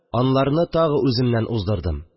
Аyларны тагы үземнән уздырдым